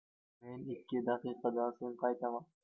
men ikki daqiqadan so'ng qaytaman